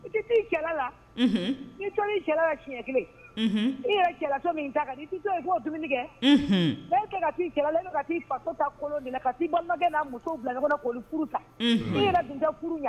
I la tiɲɛɲɛ kelen i cɛla min ta kɛ bɛɛ kɛ ka ila ka fata kolon kakɛ muso bila kɔnɔ kolon ta furu